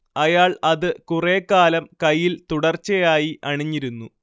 അയാൾ അത് കുറേക്കാലം കൈയ്യിൽ തുടർച്ചയായി അണിഞ്ഞിരുന്നു